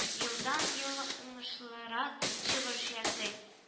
Елдан-ел уңышлырак чыгыш ясый: